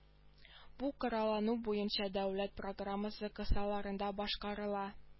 Бу кораллану буенча дәүләт программасы кысаларында башкарыла